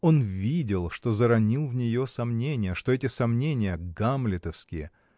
Он видел, что заронил в нее сомнения, что эти сомнения — гамлетовские.